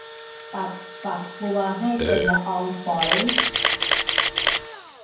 ปรับฝักบัวให้เป็นละอองฝอย